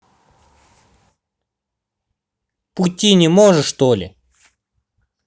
пути не можешь что ли